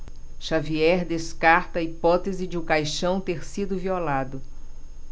xavier descarta a hipótese de o caixão ter sido violado